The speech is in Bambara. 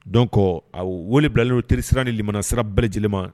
Donc wele bilalen don terisira ni limanɛ sira bɛɛ lajɛlenma.